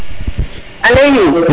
alo oui